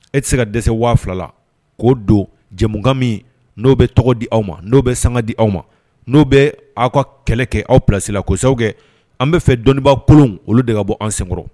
E tɛ se ka dɛsɛ 2000 k'o don jɛmukan min n'o bɛ tɔgɔ di aw ma n'o bɛ sanga di aw ma n'o bɛ aw ka kɛlɛ kɛ aw place ko sababu kɛ an bɛ fɛ dɔnniibaa kolonw olu de ka bɔ an senkɔrɔ!